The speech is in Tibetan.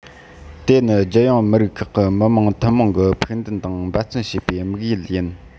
དེ ནི རྒྱལ ཡོངས མི རིགས ཁག གི མི དམངས ཐུན མོང གི ཕུགས འདུན དང འབད བརྩོན བྱེད པའི དམིགས ཡུལ ཡིན